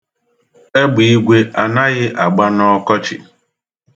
Egbiigwe anaghị agba n'ọkọchi.